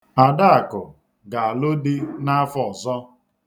Adaakụ ga-alụ di n'afọ ọzọ.